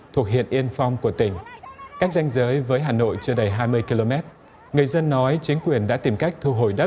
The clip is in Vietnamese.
thuộc huyện yên phong của tỉnh cách ranh giới với hà nội chưa đầy hai mươi ki lô mét người dân nói chính quyền đã tìm cách thu hồi đất